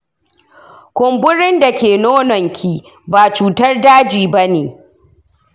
kumburin dake nononki ba cutar daji bane.